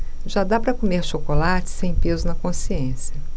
já dá para comer chocolate sem peso na consciência